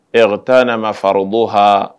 Ɛrɔ tan nana ma farikolorobo h